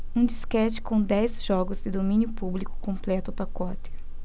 um disquete com dez jogos de domínio público completa o pacote